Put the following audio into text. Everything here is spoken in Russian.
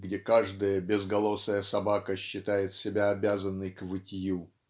где каждая безголосая собака считает себя обязанной к вытью"